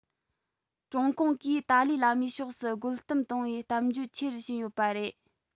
ཀྲུང གུང གིས ཏཱ ལའི བླ མའི ཕྱོགས སུ རྒོལ གཏམ གཏོང བའི གཏམ བརྗོད ཆེ རུ ཕྱིན ཡོད པ རེད